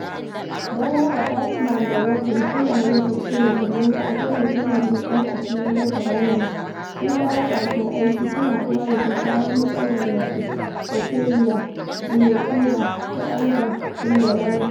Don haka Batman da Robin suna yi kuskure mummuna a kan Hukumar Leƙen Asiri ta Sarauniya sun dawo bakin aiki, suna haɗuwa da kyakkyawar matsalar mace Ophelia Bulletova ta Olga Kurylenko.